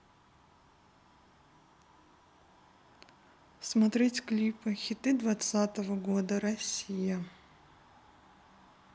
смотреть клипы хиты двадцатого года россия